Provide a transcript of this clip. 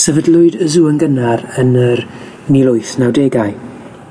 Sefydlwyd y sw yn gynnar yn yr mil wyth nawdegau,